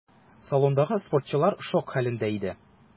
Салондагы спортчылар шок хәлендә иде.